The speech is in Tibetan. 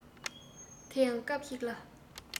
དེ ཡང སྐབས ཤིག ལ